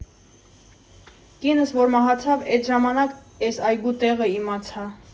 Կինս, որ մահացավ, էտ ժամանակ էս այգու տեղը իմացա։